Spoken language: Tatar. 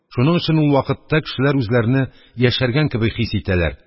Шуның өчен ул вакытта кешеләр үзләрене яшәргән кеби хис итәләр,